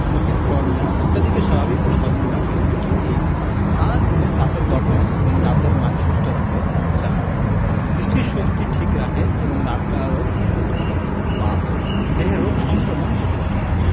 চোখের কর্নিয়া ইত্যাদিকে স্বাভাবিক ও সজীব রাখে ৩. হাড় এবং দাঁতের গঠন এবং দাঁতের মাড়ি সুস্থ রাখে ৪. দৃষ্টিশক্তি ঠিক রাখে এবং রাতকানা রোগ প্রতিরোধ করে ৫. দেহে রোগ সংক্রমণ প্রতিরোধ করে